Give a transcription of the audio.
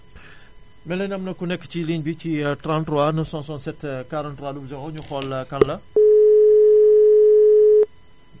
mel na ni am na ku nekk ci ligne bi ci 33 967 43 00 ñu xool kan la